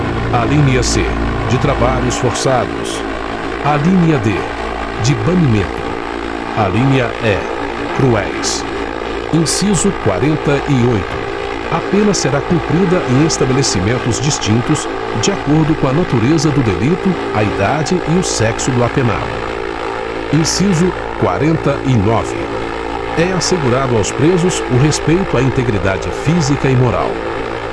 alínea c de trabalhos forçados alínea d de banimento alínea e cruéis inciso quarenta e oito a pena será cumprida em estabelecimentos distintos de acordo com a natureza do delito a idade e o sexo do apenado inciso quarenta e nove é assegurado aos presos o respeito à integridade física e moral